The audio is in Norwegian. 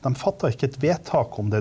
dem fatter ikke et vedtak om det.